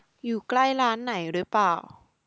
อยู่ใกล้ร้านไหนหรือเปล่า